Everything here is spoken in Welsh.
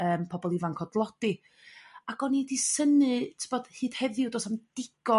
yrm pobol ifanc o dlodi. Ac o'n i 'di synnu t'bod hyd heddiw dos na'm digon